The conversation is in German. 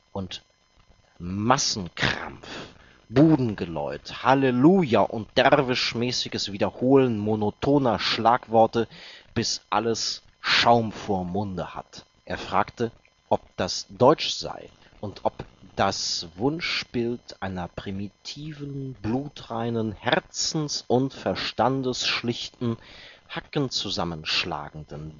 und „ Massenkrampf, Budengeläut, Halleluja und derwischmäßiges Wiederholen monotoner Schlagworte, bis alles Schaum vorm Munde hat “. Er fragte, ob das deutsch sei und ob „ das Wunschbild einer primitiven, blutreinen, herzens - und verstandesschlichten, hackenzusammenschlagenden, blauäugig